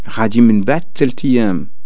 غادي من بعد تلت ايام